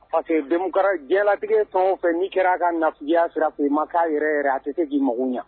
Parce que dɛmɛkarajɛ latigɛ fɛn fɛ n'i kɛra a ka nafoloya sira k' u ma k'a yɛrɛɛrɛ a tɛ se k'i mun ɲɛ